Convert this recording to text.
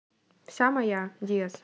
вся моя diazz